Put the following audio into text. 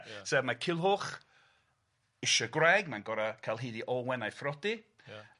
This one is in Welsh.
So mae Culhwch isie gwreig mae'n gor'a ca'l hyd i Olwen a'i phrodi. Ia.